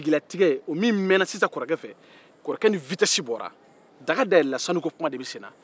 o mɛnen kɔrɔkɔɛ fɛ a ni wutɛsi bɔra